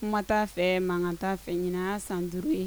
Kuma t'a fɛ mankan t'a fɛ ɲɛna san duuruuru ye